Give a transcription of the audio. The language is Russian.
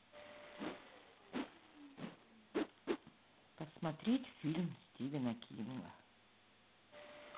посмотреть фильм стивена кинга